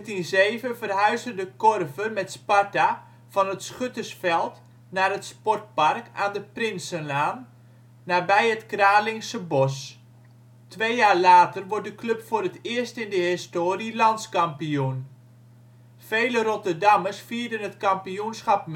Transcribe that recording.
In 1907 verhuisde De Korver met Sparta van het Schuttersveld naar het sportpark aan de Prinsenlaan, nabij het Kralingse Bos. Twee jaar later wordt de club voor het eerst in de historie landskampioen. Vele Rotterdammers vierden het kampioenschap